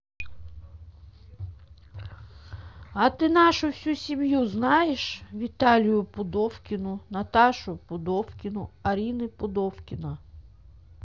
а ты нашу всю семью знаешь виталию пудовкину наташу пудовкину арины пудовкина